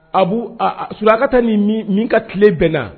A' a sulaka taa ni min ka tile bɛnna